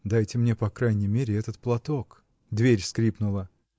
-- Дайте мне по крайней мере этот платок. Дверь скрыпнула.